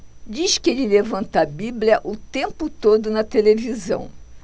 diz que ele levanta a bíblia o tempo todo na televisão